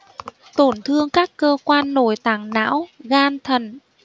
tổn thương các cơ quan nội tạng não gan thận